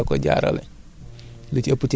phosphate bi Etat bi da koy maye